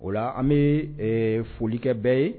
O la an bɛ folikɛ bɛɛ ye